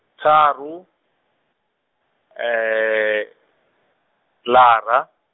ṱharu lara.